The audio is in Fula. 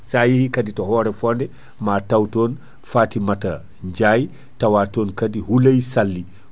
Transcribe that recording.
sa yeehi kaadi to Horefonde ma taw ton Fatimata Ndiaye tawa ton kaadi Houleye Sally